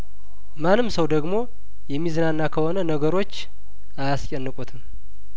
ማንም ሰው ደግሞ የሚዝናና ከሆነ ነገሮች አያስጨንቁትም